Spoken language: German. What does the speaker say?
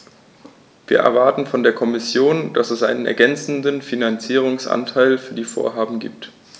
Wir erwarten von der Kommission, dass es einen ergänzenden Finanzierungsanteil für die Vorhaben gibt.